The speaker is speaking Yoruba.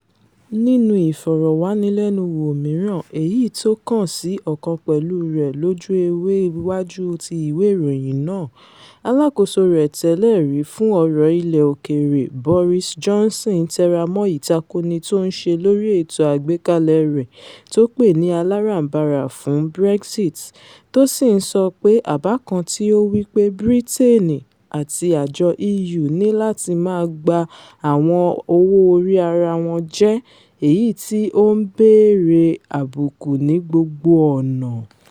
Nínú ìfọ̀ròwánilẹ́nuwò mìíràn èyí tókàn sí ọ̀kan pẹ̀lú rẹ̀ lójú ewé iwájú ti iwe iroyin náà, aláàkóso rẹ̀ tẹ́lẹ̀ rí fún ọ̀rọ̀ ilẹ̀ òkèèrè Boris Johnson tẹramọ́ ìtakoni tó ńṣe lórí ètò àgbékalẹ̀ rẹ̀ tó pè ní Aláràm̀barà fún Brexit, tó sì ńsọ pé àbá kan tí ó wí pé Briteeni àti àjọ EU níláti máa gba àwọn owó-orí ara wọn jẹ́ èyití ''ó ń béèrè àbùkú ní gbogbo ọ̀nà.''